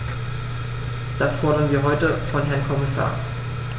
Das fordern wir heute vom Herrn Kommissar.